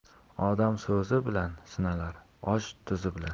odam so'zi bilan sinalar osh tuzi bilan